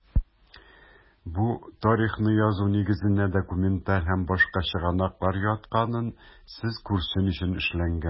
Бу тарихны язу нигезенә документаль һәм башка чыгынаклыр ятканын сез күрсен өчен эшләнгән.